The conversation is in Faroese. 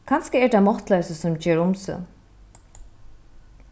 kanska er tað máttloysi sum ger um seg